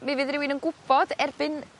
mi fydd rywun yn gwbod erbyn